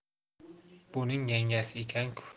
buning yangasi ekanku